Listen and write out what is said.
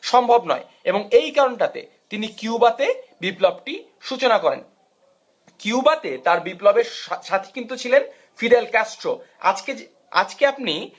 সম্ভব নয় এবং এই কারণ তাতে তিনি কিউবাতে বিপ্লবটি সূচনা করেন কিউবাতে তার বিপ্লবের সাথে কিন্তু ছিলেন ফিদেল ক্যাস্ট্রো আজকে আপনি